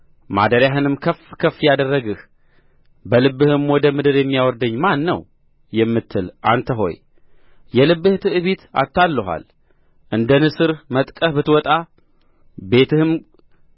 ማደሪያህንም ከፍ ከፍ ያደረግህ በልብህም ወደ ምድር የሚያወርደኝ ማን ነው የምትል አንተ ሆይ የልብህ ትዕቢት አታልሎሃል እንደ ንስር መጥቀህ ብትወጣ ቤትህም